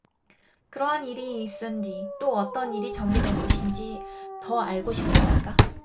그러한 일이 있은 뒤 또 어떤 일이 전개될 것인지 더 알고 싶습니까